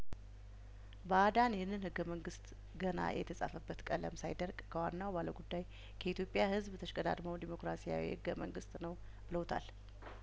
ባእዳን ይህንን ህገ መንግስት ገና የተጻፈበት ቀለም ሳይደርቅ ከዋናው ባለጉዳይ ከኢትዮጵያ ህዝብ ተሽቀዳድመው ዲሞክራሲያዊ ህገ መንግስት ነው ብለውታል